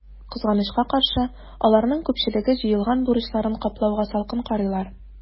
Кызганычка каршы, аларның күпчелеге җыелган бурычларын каплауга салкын карыйлар.